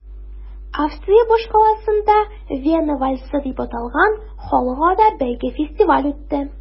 Австрия башкаласында “Вена вальсы” дип аталган халыкара бәйге-фестиваль үтте.